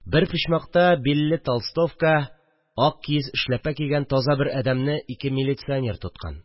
Бер почмакта билле толстовка, ак киез эшләпә кигән таза бер әдәмне ике милиционер тоткан